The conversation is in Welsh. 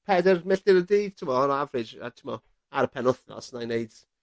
peder milltir y dydd t'mo on average a t'mo' ar y penwthnos 'nai neud